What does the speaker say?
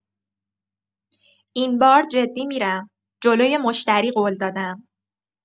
این بار جدی می‌رم، جلوی مشتری قول دادم.